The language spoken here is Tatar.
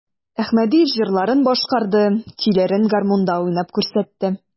Әхмәдиев җырларын башкарды, көйләрен гармунда уйнап күрсәтте.